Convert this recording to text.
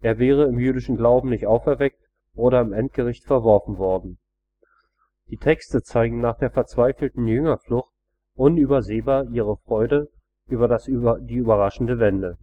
Er wäre im jüdischen Glauben nicht auferweckt oder im Endgericht verworfen worden. Die Texte zeigen nach der verzweifelten Jüngerflucht unübersehbar ihre Freude über die überraschende Wende